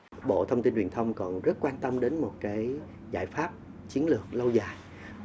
bộ thông tin truyền thông còn rất quan tâm đến một cái giải pháp chiến lược lâu dài